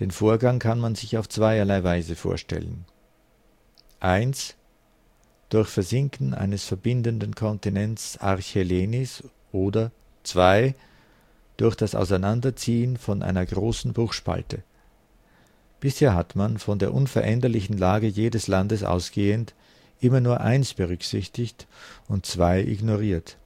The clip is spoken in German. Vorgang kann man sich auf zweierlei Weise vorstellen: 1) Durch Versinken eines verbindenden Kontinents ‚ Archhelenis ‘oder 2) durch das Auseinanderziehen von einer großen Bruchspalte. Bisher hat man, von der unveränderlichen Lage jedes Landes ausgehend, immer nur 1) berücksichtigt und 2) ignoriert